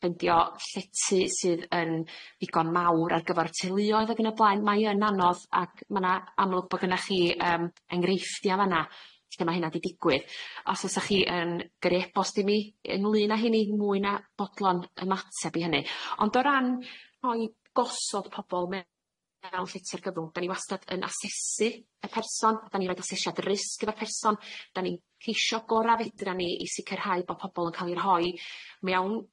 ffendio llety sydd yn ddigon mawr ar gyfar teuluoedd ag yn y blaen ma'i yn anodd ac ma' 'na amlwg bo gynnoch chi yym engreifftia fan'na lle ma' hynna 'di digwydd os fysa chi yn gyrru e-bost i mi ynglyn â heini mwy na bodlon ymateb i hynny ond o ran rhoi gosod pobol mewn mewn llety argyfwng 'dan ni wastad yn asesu y person 'dan ni roid asesiad risg gyda'r person 'dan ni'n ceisho gora' fedran ni i sicirhau bo' pobol yn ca'l 'i rhoi mewn